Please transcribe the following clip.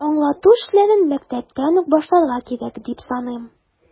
Аңлату эшләрен мәктәптән үк башларга кирәк, дип саныйм.